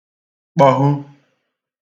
kpọhu